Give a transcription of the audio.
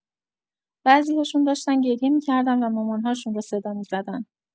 بعضی‌هاشون داشتن گریه می‌کردن و مامان‌هاشون رو صدا می‌زدن.